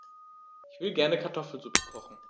Ich will gerne Kartoffelsuppe kochen.